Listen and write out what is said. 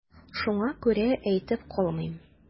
Шуңа күрә әйтеп калыйм.